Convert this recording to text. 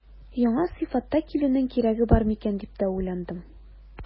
Яңа сыйфатта килүнең кирәге бар микән дип тә уйландым.